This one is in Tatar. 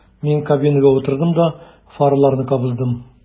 Мин кабинага утырдым да фараларны кабыздым.